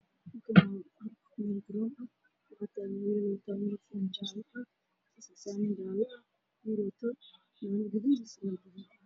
Waa garoon waxaa ku dheelayay wiil wataan faneed jaalle ah waxaa ka dambeeya oo daawanayo dad aada u fara badan